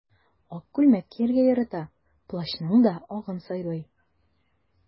Ак күлмәк кияргә ярата, плащның да агын сайлый.